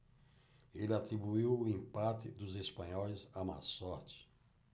ele atribuiu o empate dos espanhóis à má sorte